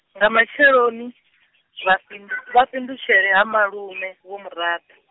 nga matsheloni, vha fhindu-, vha fhindutshele ha malume, Vho Murabi.